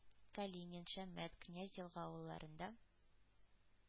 Калинин, Шәммәт, Князь-Елга авылларында